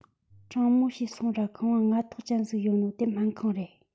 དྲང མོ བྱོས སོང ར ཁང བ ལྔ ཐོག ཅན ཟིག ཡོད ནོ དེ སྨན ཁང རེད